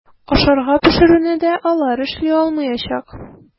Ашарга пешерүне дә алар эшли алмаячак.